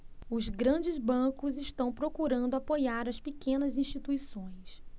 os grandes bancos estão procurando apoiar as pequenas instituições